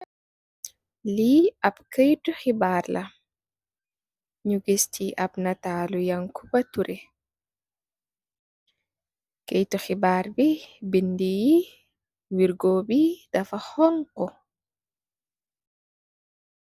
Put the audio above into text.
Lii ab kayiti xibaar la ,ñu gis ci naatal li Yaañkuba Tuuré, kayiti xibaar yi, wirgo bi, dafa xoñ-xu.